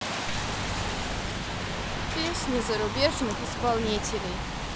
песни зарубежных исполнителей